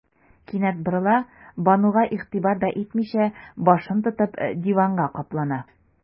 Кинәт борыла, Бануга игътибар да итмичә, башын тотып, диванга каплана.